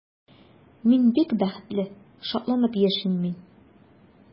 Мин бик бәхетле, шатланып яшим мин.